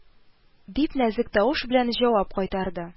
Дип, нәзек тавыш белән җавап кайтарды